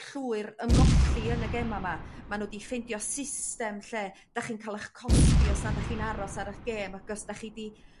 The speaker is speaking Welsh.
llwyr yn golli yn y gema 'ma ma' nhw 'di ffeindio system lle dach chi'n ca'l ych cosbi os nad dach chi'n aros ar 'ych gêm ac os dach chi 'di